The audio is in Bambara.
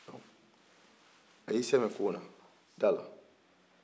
donc a y'i sɛmɛ kon na da la